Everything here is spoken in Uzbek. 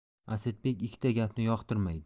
asadbek ikkita gapni yoqtirmaydi